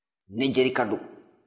ne jerika don